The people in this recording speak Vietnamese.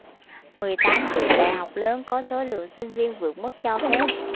mười tám trường đại học lớn có số lượng sinh viên vượt mức cho phép